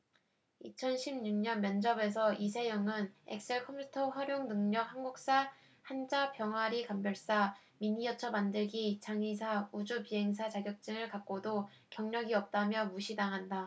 이천 십 육 년 면접에서 이세영은 엑셀 컴퓨터활용능력 한국사 한자 병아리감별사 미니어처만들기 장의사 우주비행사 자격증을 갖고도 경력이 없다며 무시당한다